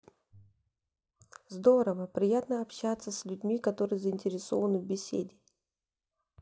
здорово приятно общаться с людьми которые заинтересованы в беседе